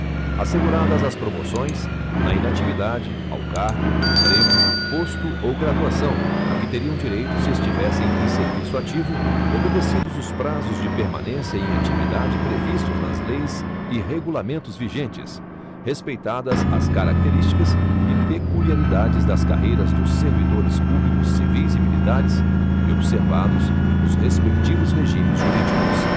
asseguradas as promoções na inatividade ao cargo emprego posto ou graduação a que teriam direito se estivessem em serviço ativo obedecidos os prazos de permanência em atividade previstos nas leis e regulamentos vigentes respeitadas as características e peculiaridades das carreiras dos servidores públicos civis e militares e observados os respectivos regimes jurídicos